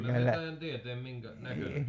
kyllä minä taidan tietää minkä näköinen se on